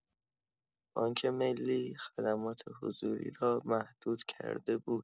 بانک ملی خدمات حضوری را محدود کرده بود.